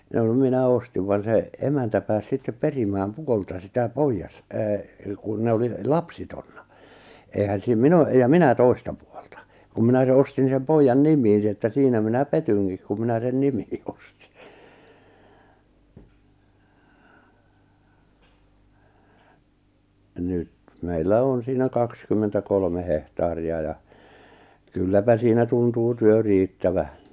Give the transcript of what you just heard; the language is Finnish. ja no minä ostin vaan se emäntä pääsi sitten perimään puolta sitä -- kun ne oli lapsettomia eihän siinä minä - ja minä toista puolta kun minä se ostin sen pojan nimiin niin että siinä minä petyinkin kun minä sen nimiin ostin nyt meillä on siinä kaksikymmentäkolme hehtaaria ja kylläpä siinä tuntuu työ riittävän